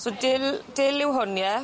So dill dill yw hwn ie?